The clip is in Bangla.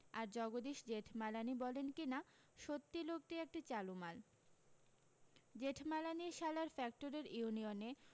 আর জগদীশ জেঠমালানি বলেন কিনা সত্যি লোকটি একটি চালু মাল জেঠমালানির শালার ফ্যাক্টরির ইউনিয়নে